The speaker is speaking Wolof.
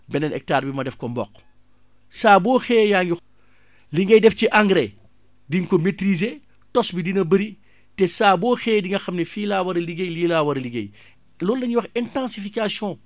beneen hectare bi ma def ko mboq saa boo xëyee yaa ngi li ngay def ci engrais di nga ko maitriser tos bi dina bari te saa boo xëyee di nga xam ne fii laa war a liggéey lii laa war a liggéey loolu la ñuy wax intensification